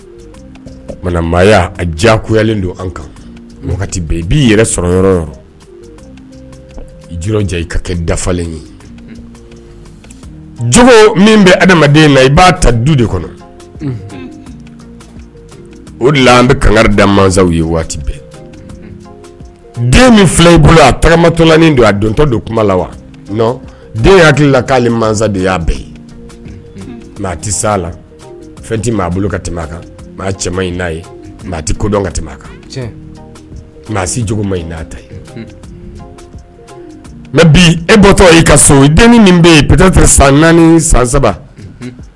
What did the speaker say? Ma maaya diyayalen don an kan i b'i yɛrɛ sɔrɔ yɔrɔ i ka kɛ dafalen ye min bɛ adamaden na i b'a ta du de kɔnɔ o de an bɛ kanga da mansaw ye waati bɛɛ den min fila i bolo amatɔlan don a dɔntɔ de kuma la wa hakilila k'ale masa y'a bɛɛ ye tɛ sa la fɛn tɛ maa bolo ka tɛmɛ a kan cɛ in n'a ye tɛ kodɔn ka tɛmɛ a kan maa siogo ma n'a ta mɛ bi etɔ i ka so den bɛ san naani san saba